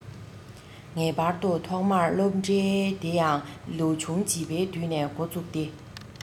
ངེས པར དུ ཐོག མར སློབ གྲྭའི དེ ཡང ལོ ཆུང བྱིས པའི དུས ནས འགོ བཙུགས ཏེ